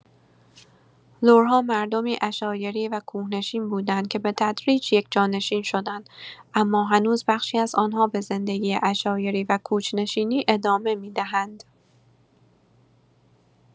لرها مردمی عشایری و کوه‌نشین بودند که به‌تدریج یکجانشین شدند، اما هنوز بخشی از آن‌ها به زندگی عشایری و کوچ‌نشینی ادامه می‌دهند.